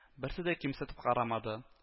Берсе дә кимсетеп карамады